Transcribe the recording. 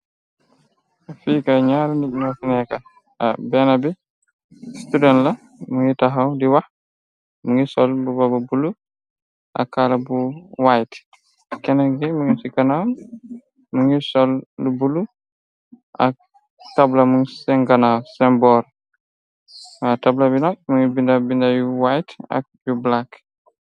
Fika 2n1 bi student la mungi taxaw di wax mu ngi sol bu baba bulu ak caala bu white ken ngi mungi ci kanaw mu ngi sol bulu ak tabla mu sncanaw sn bortabnd binda yu white ak yu black.